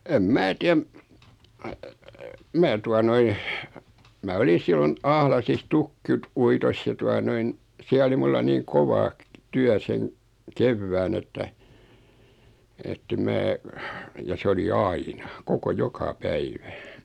en minä tiedä minä tuota noin minä oli silloin Ahlaisissa - uitossa ja tuota noin siellä oli minulla niin kova työ sen kevään että että en minä ja se oli aina koko joka päivä